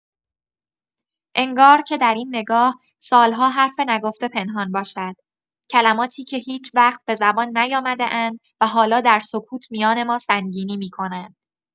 انگار که در این نگاه، سال‌ها حرف نگفته پنهان باشد، کلماتی که هیچ‌وقت به زبان نیامده‌اند و حالا در سکوت میان ما سنگینی می‌کنند.